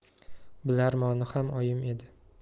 bilarmoni ham oyim edi